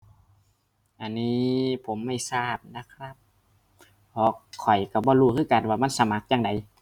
อันนี้ผมไม่ทราบนะครับ เพราะข้อยก็บ่รู้คือกันว่ามันสมัครจั่งใด